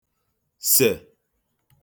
-sè